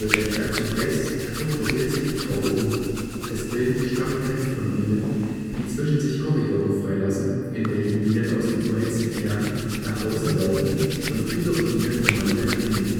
der Kern zu heiß, strukturiert sich die Traube um: Es bilden sich starre Ketten von Bienen, die zwischen sich Korridore freilassen, in welchen Bienen aus dem überhitzten Kern nach außen laufen und kühlere Bienen vom Mantel nach innen